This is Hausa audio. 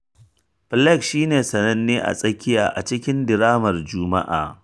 Flake shi ne sananne a tsakiya a cikin diramar Juma’ar.